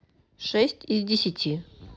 шесть из десяти